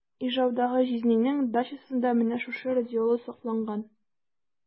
Ижаудагы җизнинең дачасында менә шушы радиола сакланган.